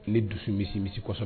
Ne dusu misi-misi kɔsɔ